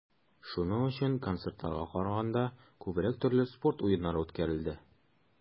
Шуның өчен, концертларга караганда, күбрәк төрле спорт уеннары үткәрелде.